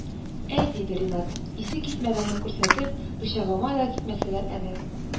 - әй, - диде ринат, исе китмәгәнне күрсәтеп, - пычагыма да китмәсләр әле